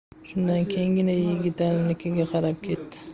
shundan keyingina yigitalinikiga qarab ketdi